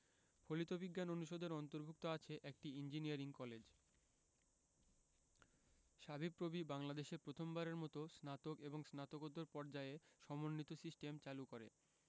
ফলিত বিজ্ঞান অনুষদের অন্তর্ভুক্ত আছে একটি ইঞ্জিনিয়ারিং কলেজ সাবিপ্রবি বাংলাদেশে প্রথম বারের মতো স্নাতক এবং স্নাতকোত্তর পর্যায়ে সমন্বিত সিস্টেম চালু করে